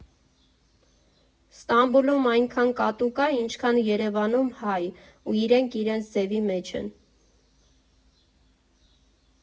Ստամբուլում այնքան կատու կա, ինչքան Երևանում՝ հայ, ու իրենք իրենց ձևի մեջ են.